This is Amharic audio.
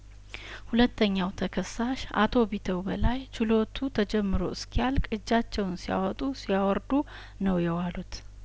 ሁለተኛው ተከሳሽ አቶ ቢተው በላይ ችሎቱ ተጀምሮ እስኪ ያልቅ እጃቸውን ሲያወጡ ሲያወርዱ ነው የዋሉት